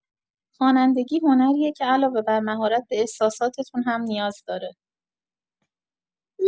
خوانندگی، هنریه که علاوه بر مهارت به احساساتتون هم نیاز داره.